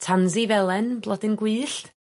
Tansy felen blodyn gwyllt.